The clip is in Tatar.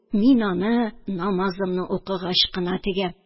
Мин аны намазымны укыгач кына тегәм